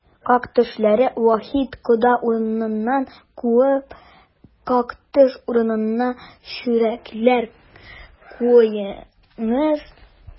Как-төшләрне Вахит кода урынына куеп, как-төш урынына чүрәкләр куеңыз!